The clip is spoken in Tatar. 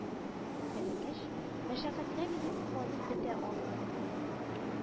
Бәләкәч, мәшәкатьләми дип куанып бетә алмый һәдия